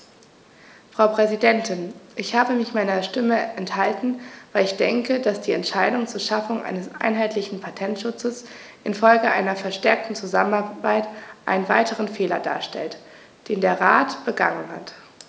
Frau Präsidentin, ich habe mich meiner Stimme enthalten, weil ich denke, dass die Entscheidung zur Schaffung eines einheitlichen Patentschutzes in Folge einer verstärkten Zusammenarbeit einen weiteren Fehler darstellt, den der Rat begangen hat.